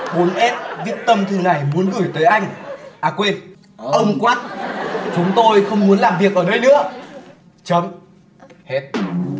bốn ét viết tâm thư này muốn gửi tới anh à quên ông quắt chúng tôi không muốn làm việc ở đây nữa chấm hết